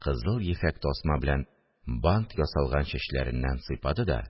Кызыл ефәк тасма белән бант ясалган чәчләреннән сыйпады да